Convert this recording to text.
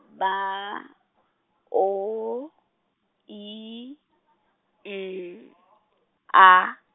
B , O, E, N, A.